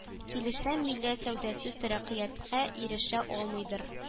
Килешәм милләт сәүдәсез тәрәккыяткә ирешә алмыйдыр